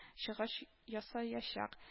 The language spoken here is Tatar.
Чыгыш ясаячак